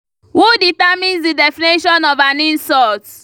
Who determines the definition of an insult?